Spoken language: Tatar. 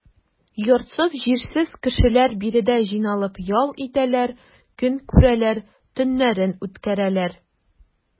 Йортсыз-җирсез кешеләр биредә җыйналып ял итәләр, көн күрәләр, төннәрен үткәрәләр.